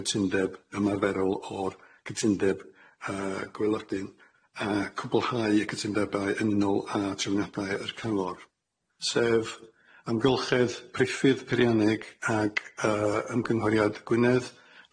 cytundeb ymaferol o'r cytundeb yy gwelydyn a cwblhau y cytundebau yn unnol a trefyniadau yr cyfor sef ymgylchedd preiffydd peirianneg ag yy ymgynghoriad Gwynedd,